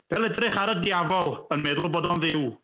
Fel edrych ar y Diafol yn meddwl bod o'n Dduw.